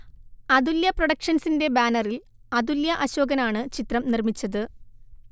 അതുല്യ പ്രൊഡക്ഷൻസിന്റെ ബാനറിൽ അതുല്യ അശോകനാണ് ചിത്രം നിർമ്മിച്ചത്